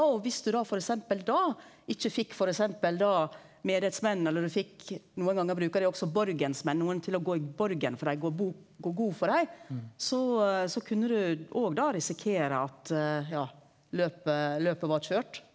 og viss du da f.eks. da ikkje fekk f.eks. da medeidsmenn eller du fekk nokon gonger bruker dei også borgens menn nokon til å gå i borgen for dei går går god for dei så så kunne du òg da risikere at ja løpet løpet var køyrt.